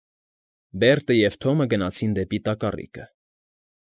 Բերտը և Թոմը գնացին դեպի տակառիկը։